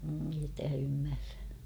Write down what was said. ei te ymmärrä